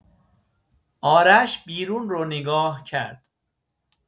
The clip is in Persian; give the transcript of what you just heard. آرش بیرون رو نگاه کرد.